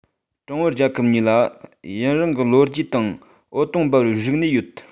ཀྲུང ཨུ རྒྱལ ཁབ གཉིས ལ ཡུན རིང གི ལོ རྒྱུས དང འོད སྟོང འབར བའི རིག གནས ཡོད